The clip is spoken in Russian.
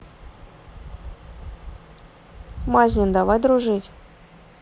мазнин давай дружить